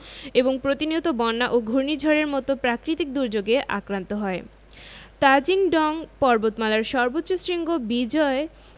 এবং প্রতিনিয়ত বন্যা ও ঘূর্ণিঝড়ের মতো প্রাকৃতিক দুর্যোগে আক্রান্ত হয় তাজিং ডং পর্বতমালার সর্বোচ্চ শৃঙ্গ বিজয়